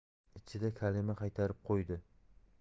ichida kalima qaytarib qo'ydi